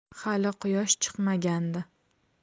hali quyosh chiqmagandi